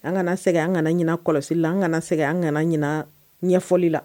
An kana segin an kana ɲɛna kɔlɔsi la an kana segin an kana ɲɛna ɲɛfɔli la